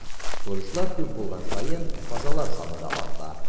Туристлар күп булган саен, казалар саны да арта.